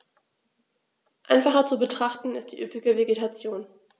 Einfacher zu betrachten ist die üppige Vegetation.